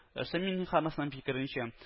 Рөстәм Миннехановның фикеренчә